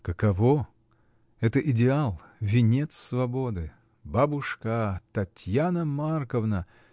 — Каково: это идеал, венец свободы! Бабушка! Татьяна Марковна!